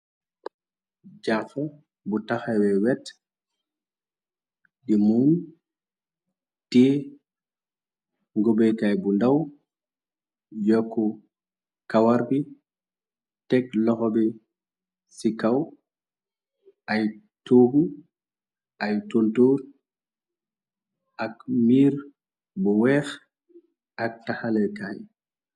Jafa bu taxawe wet di muum téem ngobekaay bu ndaw yokku kawar bi teg loxo bi ci kaw ay toogu ay tuntor ak mbiir bu weex ak taxalekaay.